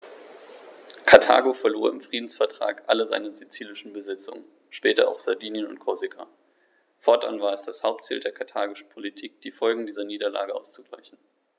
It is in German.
Karthago verlor im Friedensvertrag alle seine sizilischen Besitzungen (später auch Sardinien und Korsika); fortan war es das Hauptziel der karthagischen Politik, die Folgen dieser Niederlage auszugleichen.